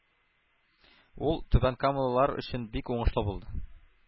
Ул түбәнкамалылар өчен бик уңышлы булды.